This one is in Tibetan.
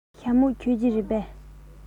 ཤ མོག མཆོད ཀྱི རེད པས